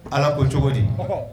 Ala ko cogo di